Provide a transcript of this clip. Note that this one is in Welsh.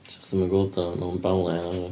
'Sa chdi'm yn gweld o mewn ballet na 'sa?